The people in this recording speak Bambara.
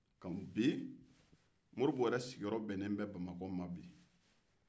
moribo yɛrɛ sigiyɔrɔ bɛnnen bɛ bamakɔ ma bi